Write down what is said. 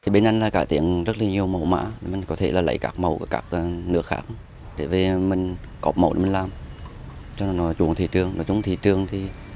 thì bên anh là cải tiến rất nhiều mẫu mã mình có thể là lấy các mẫu ở các nước khác để về mình có mẫu mình làm cho nó giống thị trường nói chung thị trường thì